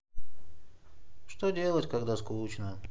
что делать когда скучно